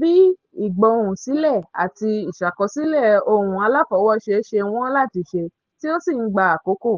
Bí ìgbohùnsílẹ̀ àti ìṣàkọsílẹ̀ ohùn aláfọwọ́ṣe ṣe wọ́n láti ṣe tí ó sì ń gba àkókò,